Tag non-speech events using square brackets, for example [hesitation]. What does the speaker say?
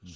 [hesitation] [hesitation]